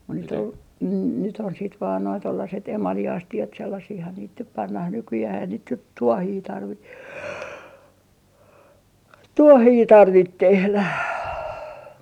mutta nyt on nyt on sitten vain nuo tuollaiset emaliastiat sellaisiahan niitä nyt pannaan nykyään ei sitten nyt tuohia tarvitse tuohia tarvitse tehdä